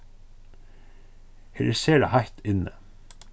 her er sera heitt inni